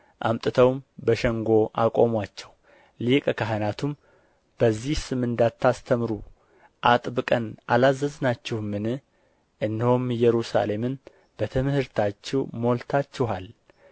አምጥተውም በሸንጎ አቆሙአቸው ሊቀ ካህናቱም በዚህ ስም እንዳታስተምሩ አጥብቀን አላዘዝናችሁምን እነሆም ኢየሩሳሌምን በትምህርታችሁ ሞልታችኋል